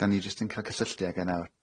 Dan ni jyst yn cal cysylltu ag e nawr.